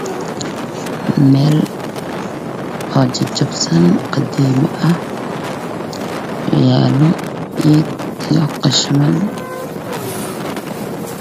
Meel oo jajabsan qadiimi ah yaallo ciid iyo qashiman